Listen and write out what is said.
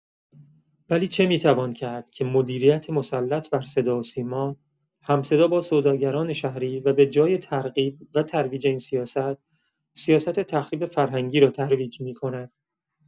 ولی چه می‌توان کرد که مدیریت مسلط بر صداوسیما، هم‌صدا با سوداگران شهری و به‌جای ترغیب و ترویج این سیاست، سیاست تخریب فرهنگی را ترویج می‌کند.